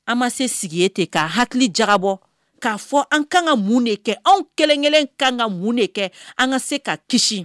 An ma se sigi ten k'a hakili jabɔ k'a fɔ an kan ka mun de kɛ an kɛlenkelen ka ka mun de kɛ an ka se ka kisi